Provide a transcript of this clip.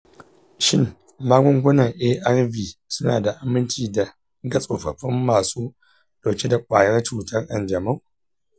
shin magungunan arv suna da aminci ga tsofaffi masu ɗauke da ƙwayar cutar kanjamau?